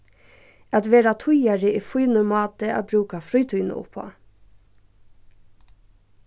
at vera týðari er fínur máti at brúka frítíðina uppá